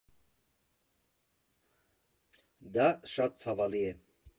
Դա շատ ցավալի է։